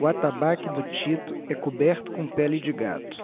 o atabaque do tito é coberto com pele de gato